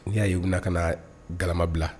Ni y'a ye uuna ka galama bila